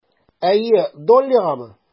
Әйе, Доллигамы?